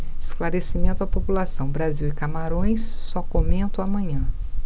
esclarecimento à população brasil e camarões só comento amanhã